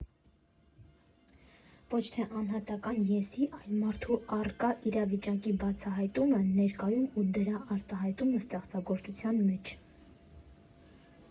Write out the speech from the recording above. Ոչ թե անհատական «ես֊ի», այլ մարդու առկա իրավիճակի բացահայտումը ներկայում ու դրա արտահայտումը ստեղծագործության միջոցով։